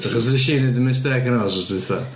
Achos wnes i wneud y mistake yna wythnos dwytha.